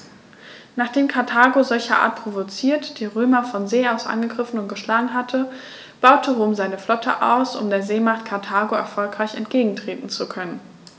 Nachdem Karthago, solcherart provoziert, die Römer von See aus angegriffen und geschlagen hatte, baute Rom seine Flotte aus, um der Seemacht Karthago erfolgreich entgegentreten zu können.